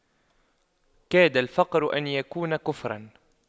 كاد الفقر أن يكون كفراً